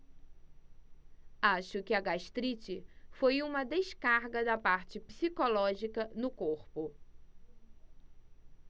acho que a gastrite foi uma descarga da parte psicológica no corpo